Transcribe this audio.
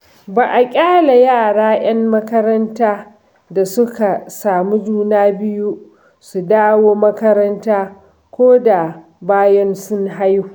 Ba a ƙyale yara 'yan makaranta da suka samu juna biyu su dawo makaranta ko da bayan sun haihu.